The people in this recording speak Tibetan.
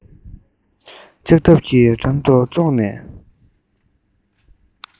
ལྕགས ཐབ གྱི འགྲམ དུ ཙོག ནས